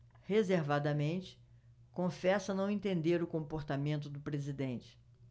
reservadamente confessa não entender o comportamento do presidente